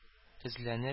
Тезләнеп